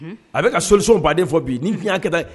A bɛ ka soliso baden fɔ bi ni fiɲɛya ka taa yen